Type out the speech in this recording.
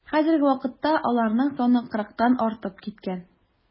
Хәзерге вакытта аларның саны кырыктан артып киткән.